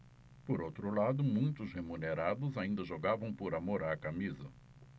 por outro lado muitos remunerados ainda jogavam por amor à camisa